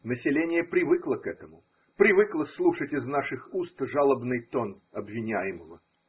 Население привыкло к этому, привыкло слышать из наших уст жалобный тон обвиняемого.